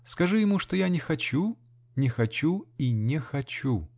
Скажи ему, что я не хочу, не хочу и не хочу!